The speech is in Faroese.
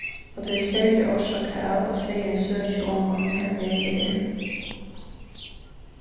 og tað er serliga orsakað av at seyðurin søkir oman har vegir eru